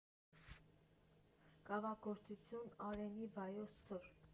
Կավագործություն, Արենի, Վայոց Ձոր։